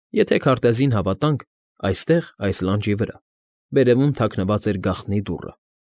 Եթե քարտեզին հավատանք, այստեղ, այս լանջի վրա, վերևում թաքնված էր գաղտնի դուռը։